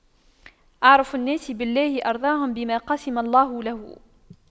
أعرف الناس بالله أرضاهم بما قسم الله له